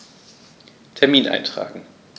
Termin eintragen